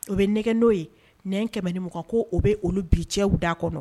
O bɛ nɛgɛ n'o ye nɛn 120 ko o bɛ olu bi cɛw da kɔnɔ!